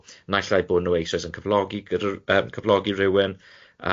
naill ai bod nhw eisoes yn cyflogi gyda yy cyflogi rywun yym